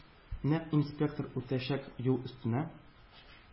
Нәкъ инспектор үтәчәк юл өстенә